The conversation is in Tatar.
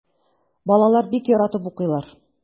Балалар бик яратып укыйлар.